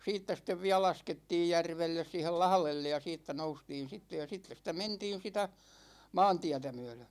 siitä sitten vielä laskettiin järvelle siihen lahdelle ja siitä noustiin sitten ja ja sitten sitä mentiin sitä maantietä myöden